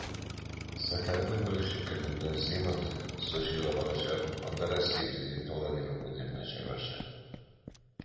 Сәфәренең беренче көнендә Земан Сочига барачак, анда Россия президенты Владимир Путин белән очрашачак.